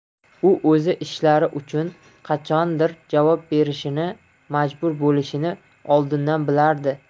u o'zi ishlari uchun qachondir javob berishini majbur bo'lishini oldindan bilardi